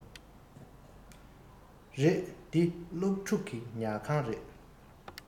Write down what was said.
རེད འདི སློབ ཕྲུག གི ཉལ ཁང རེད